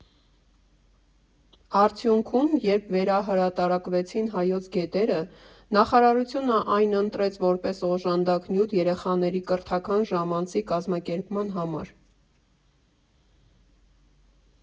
Արդյունքում, երբ վերահրատարակվեցին «Հայոց գետերը», նախարարությունը այն ընտրեց որպես օժանդակ նյութ երեխաների կրթական ժամանցի կազմակերպման համար։